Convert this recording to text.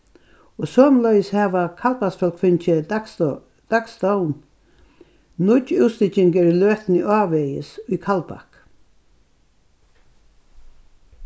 og somuleiðis hava kaldbaksfólk fingið dagstovn nýggj útstykking er í løtuni ávegis í kaldbak